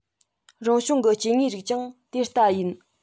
རང བྱུང གི སྐྱེ དངོས རིགས ཀྱང དེ ལྟ ཡིན